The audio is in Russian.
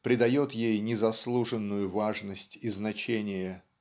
придает ей незаслуженную важность и значение.